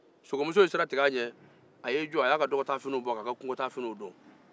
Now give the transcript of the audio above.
a y'i jɔ k'a ka dɔgɔtaafiniw bo ka kuntaafiniw don